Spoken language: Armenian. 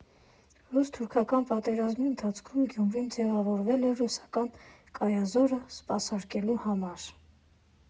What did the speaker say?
Ռուս֊թուրքական պատերազմի ընթացքում Գյումրին ձևավորվել էր ռուսական կայազորը սպասարկելու համար։